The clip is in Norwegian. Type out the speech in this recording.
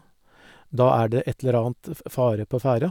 Da er det et eller annet f fare på ferde.